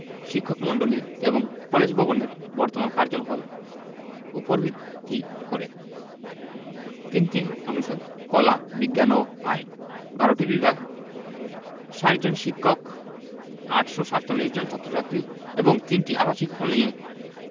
শিক্ষকমন্ডলী এবং কলেজ ভবনের বর্তমান কার্জন হল উপর ভিত্তি করে ৩টি অনুষদ কলা বিজ্ঞান ও আইন ১২টি বিভাগ ৬০ জন শিক্ষক ৮৪৭ জন ছাত্র ছাত্রী এবং ৩টি আবাসিক হল নিয়ে